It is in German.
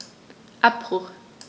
Abbruch.